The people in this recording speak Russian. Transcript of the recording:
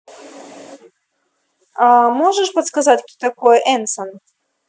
а можешь подсказать кто такой энсон